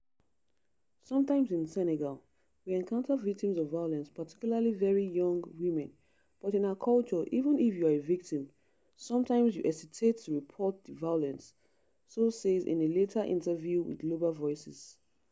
“Sometimes in Senegal, we encounter victims of violence, particularly very young women, but in our culture, even if you are a victim, sometimes [you] hesitate to report the violence,” Sow says in a later interview with Global Voices.